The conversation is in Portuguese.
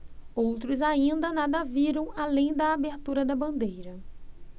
outros ainda nada viram além da abertura da bandeira